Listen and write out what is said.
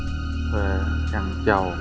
chăn trâu